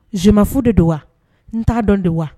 Zmafu de de wa n dɔn de wa